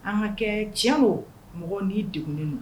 An ŋa kɛɛ tiɲɛ do mɔgɔ n'i degunnen don